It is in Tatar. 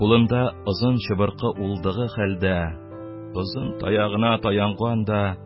Кулында озын чыбыркы улдыгы хәлдә, озын таягына таянган да,